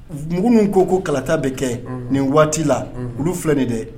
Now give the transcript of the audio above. Mununu ko ko kalata bɛ kɛ nin waati la olu filɛ nin dɛ